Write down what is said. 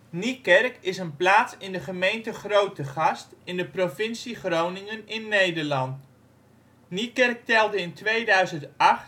Naikerk) is een plaats in de gemeente Grootegast in de provincie Groningen in Nederland. Niekerk telde in 2008 1470